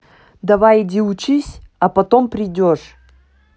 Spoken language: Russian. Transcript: давай иди учись разбирайся а потом придешь